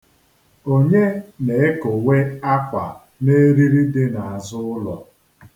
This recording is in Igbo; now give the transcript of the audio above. Onye na-ekowe akwa n'eriri dị n'azụ ụlọ?